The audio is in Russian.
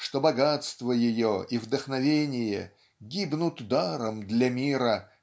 что богатство ее и вдохновение гибнут даром для мира